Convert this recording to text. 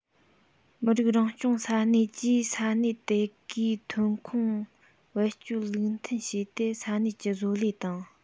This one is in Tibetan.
མི རིགས རང སྐྱོང ས གནས ཀྱིས ས གནས དེ གའི ཐོན ཁུངས བེད སྤྱོད ལུགས མཐུན བྱས ཏེ ས གནས ཀྱི བཟོ ལས དང